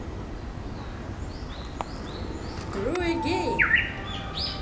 true again